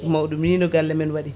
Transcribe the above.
mawɗum ni no galle men waaɗi